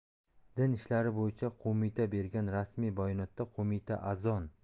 din ishlari bo'yicha qo'mita bergan rasmiy bayonotda qo'mita azon